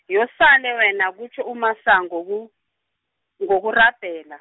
yosale wena kutjho uMasango ku- ngokurabhela.